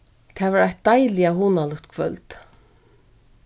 tað var eitt deiliga hugnaligt kvøld